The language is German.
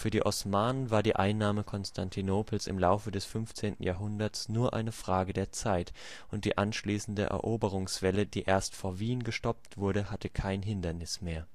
die Osmanen war die Einnahme Konstantinopels im Laufe des 15. Jahrhunderts nur eine Frage der Zeit, und die anschließende Eroberungswelle, die erst vor Wien gestoppt wurde, hatte kein Hindernis mehr